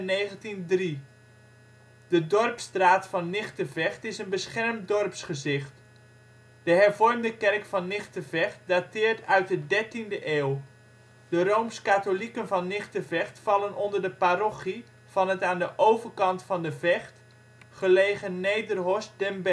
1888 en 1903. De Dorpsstraat van Nigtevecht is een beschermd dorpsgezicht. De hervormde kerk van Nigtevecht dateert uit de 13de eeuw. De rooms-katholieken van Nigtevecht vallen onder de parochie van het aan de overkant van de Vecht (tevens provinciegrens) gelegen Nederhorst den Berg